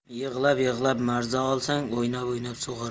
yig'lab yig'lab marza olsang o'ynab o'ynab sug'orasan